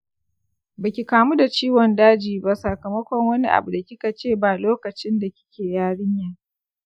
baki kamu da ciwon daji ba sakamakon wani abu da kikace ba lokacinda kike yarinya.